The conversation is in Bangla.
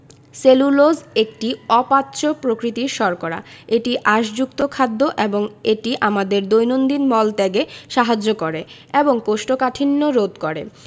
সেলুলোজ একটি অপাচ্য প্রকৃতির শর্করা এটি আঁশযুক্ত খাদ্য এবং এটি আমাদের দৈনন্দিন মল ত্যাগে সাহায্য করে এবং কোষ্ঠকাঠিন্য রোধ করে